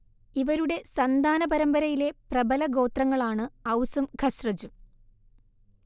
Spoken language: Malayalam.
ഇവരുടെ സന്താന പരമ്പരയിലെ പ്രബല ഗോത്രങ്ങളാണ് ഔസും ഖസ്റജും